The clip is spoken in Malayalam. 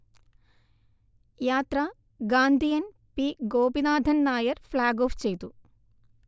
യാത്ര ഗാന്ധിയൻ പി ഗോപിനാഥൻനായർ ഫ്ലാഗ്ഓഫ് ചെയ്തു